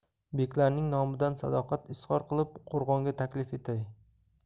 beklarning nomidan sadoqat izhor qilib qo'rg'onga taklif etay